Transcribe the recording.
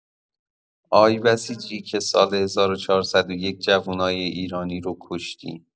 آی بسیجی که سال ۱۴۰۱ جوونای ایرانی رو کشتی!